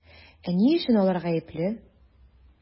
Ә ни өчен алар гаепле?